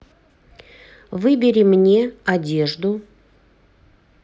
выбери мне одежду